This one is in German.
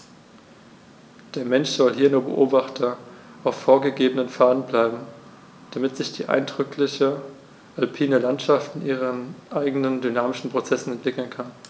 Der Mensch soll hier nur Beobachter auf vorgegebenen Pfaden bleiben, damit sich die eindrückliche alpine Landschaft in ihren eigenen dynamischen Prozessen entwickeln kann.